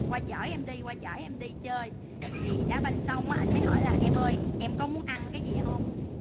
qua chở em đi qua chở em đi chơi thì đá banh xong á ảnh mới hỏi là em ơi em có muốn ăn cái gì hông